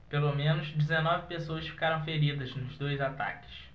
pelo menos dezenove pessoas ficaram feridas nos dois ataques